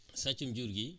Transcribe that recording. sàccum jur gi